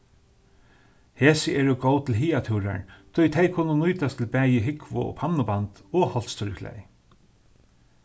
hesi eru góð til hagatúrar tí tey kunnu nýtast til bæði húgvu og pannuband og hálsturriklæði